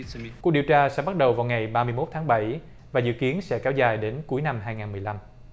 cuộc điều tra sẽ bắt đầu vào ngày ba mốt tháng bảy và dự kiến sẽ kéo dài đến cuối năm hai ngàn mười lăm